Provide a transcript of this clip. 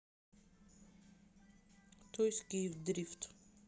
тойс киев дрифт